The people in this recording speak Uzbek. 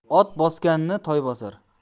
ot bosganni toy bosar